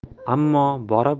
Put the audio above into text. ammo bora bora